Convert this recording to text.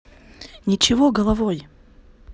ничего головый